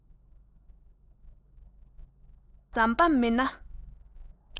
གཡུ ཐོག ཟམ པ མེད ན